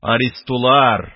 Аристолар,